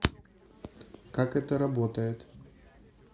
как это работает